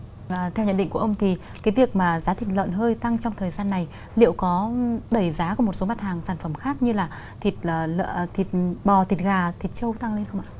và theo nhận định của ông thì cái việc mà giá thịt lợn hơi tăng trong thời gian này liệu có đẩy giá của một số mặt hàng sản phẩm khác như là thịt à ờ thịt bò thịt gà thịt trâu tăng lên không ạ